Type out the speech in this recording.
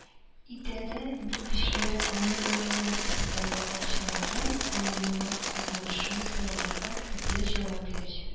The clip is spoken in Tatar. Идарә белгечләре ана (гаилә) капиталы акчаларын куллануга кагылышлы сорауларга төпле җавап бирәчәк